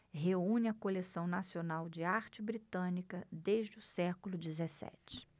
reúne a coleção nacional de arte britânica desde o século dezessete